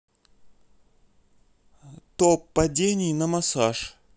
топ падений на массаж